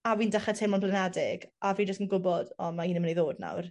a fi'n dechre teimlo'n blinedig a fi jyst yn gwbod o mae hynna myn' i ddod nawr.